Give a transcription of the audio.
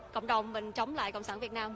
cộng đồng mình chống lại cộng sản việt nam